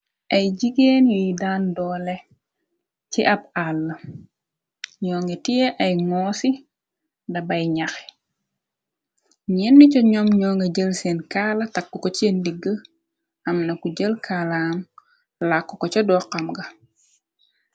Ay jigéen yuy daan dooleh chi ab aalah, njur ngi tiyeh ay ngosi da bay njahh, njenu chi njom njur ngi jel sehn kaalah takku ko sehn ndigg, amna ku jel kaalaam laaku ko ca do xam ga.